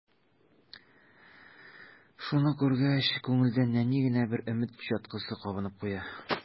Шуны күргәч, күңелдә нәни генә бер өмет чаткысы кабынып куя.